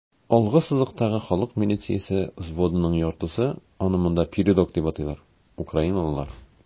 Алгы сызыктагы халык милициясе взводының яртысы (аны монда "передок" дип атыйлар) - украиналылар.